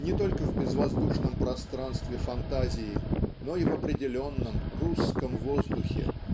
Не только в безвоздушном пространстве фантазии но и в определенном русском воздухе